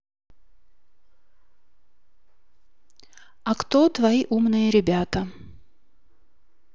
а кто твои умные ребята